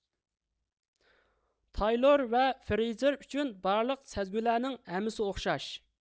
تايلور ۋە فرېيزېر ئۈچۈن بارلىق سەزگۈلەرنىڭ ھەممىسى ئوخشاش